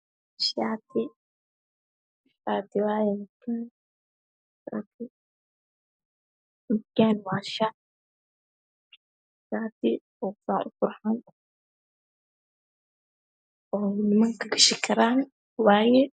Halkan waxaa yalo shaar oo niminka oo aad uqurxon